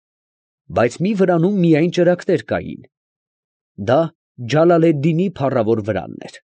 Բայց մի վրանում միայն ճրագներ կային. դա Ջալալեդդինի փառավոր վրանն էր։